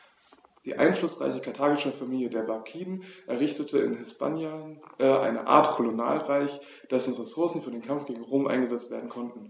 Die einflussreiche karthagische Familie der Barkiden errichtete in Hispanien eine Art Kolonialreich, dessen Ressourcen für den Kampf gegen Rom eingesetzt werden konnten.